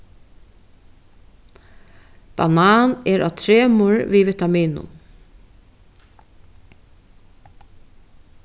banan er á tremur við vitaminum